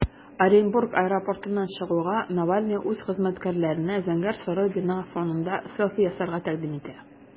Оренбург аэропортыннан чыгуга, Навальный үз хезмәткәрләренә зәңгәр-соры бина фонында селфи ясарга тәкъдим итә.